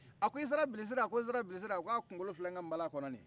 a ko i sera bilisi la a ko nsera bilisila a kungolo filɛ nka nbala kɔnɔ nin ye